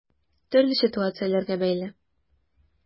Төрле ситуацияләргә бәйле.